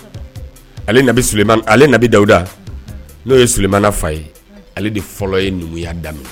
Ale nabi Sulo, ale nabi Dawuda no ye Solomana fa ye, ale de fɔlɔ ye numuya daminɛ.